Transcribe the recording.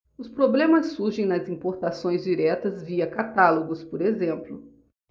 os problemas surgem nas importações diretas via catálogos por exemplo